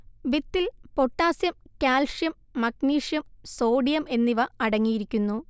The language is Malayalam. വിത്തിൽ പൊട്ടാസ്യം കാൽസ്യം മഗ്നീഷ്യംസോഡിയം എന്നിവ അടങ്ങിയിരിക്കുന്നു